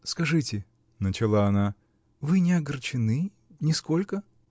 -- Скажите, -- начала она, -- вы не огорчены? нисколько?